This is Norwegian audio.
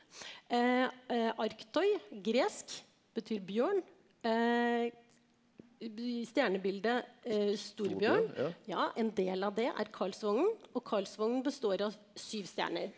arktoi gresk betyr bjørn stjernebildet Store bjørn ja en del av det er Karlsvognen og Karlsvognen består av syv stjerner.